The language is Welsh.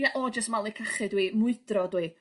Ia o jyst malu cachu dw i, mwydro dw i.